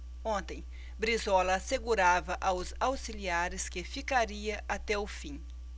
ontem brizola assegurava aos auxiliares que ficaria até o fim